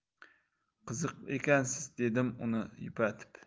qiziq ekansiz dedim uni yupatib